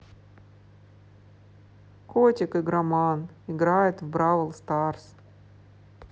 котик игроман играет в бравл старс